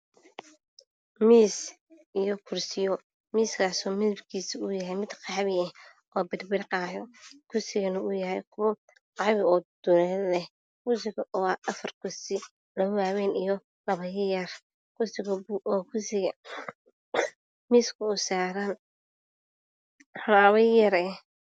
Miis io kursiyo miisaka midabkiisu waxa uu uegyahsy io